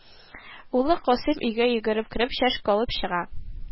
Улы Касыйм, өйгә йөгереп кереп, чәшке алып чыга